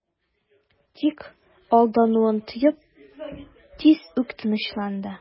Тик алдануын тоеп, тиз үк тынычланды...